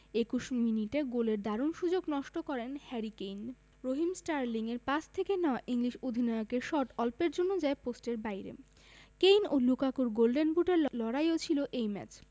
২১ মিনিটে গোলের দারুণ সুযোগ নষ্ট করেন হ্যারি কেইন রহিম স্টার্লিংয়ের পাস থেকে নেওয়া ইংলিশ অধিনায়কের শট অল্পের জন্য যায় পোস্টের বাইরে কেইন ও লুকাকুর গোল্ডেন বুটের লড়াইও ছিল এই ম্যাচ